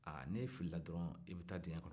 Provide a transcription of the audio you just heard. aa n'e filila dɔrɔn i bɛ taa dingɛ kɔnɔ